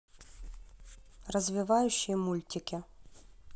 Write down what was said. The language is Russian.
развивающие мультфильмы